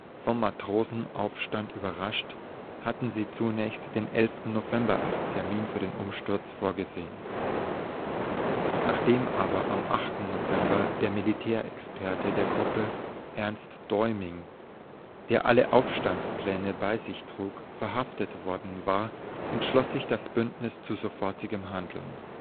Vom Matrosenaufstand überrascht, hatten sie zunächst den 11. November als Termin für den Umsturz vorgesehen. Nachdem aber am 8. November der Militärexperte der Gruppe, Ernst Däumig, der alle Aufstandspläne bei sich trug, verhaftet worden war, entschloss sich das Bündnis zu sofortigem Handeln